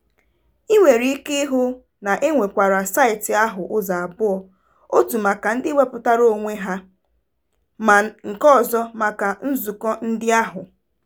I nwere ike ịhụ na e kewara saịtị ahụ ụzọ abụọ: otu maka ndị wepụtara onwe ha ma nke ọzọ maka nzụkọ ndị ahụ.